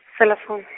selefoune .